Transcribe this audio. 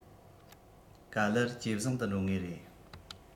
ག ལེར ཇེ བཟང དུ འགྲོ ངེས རེད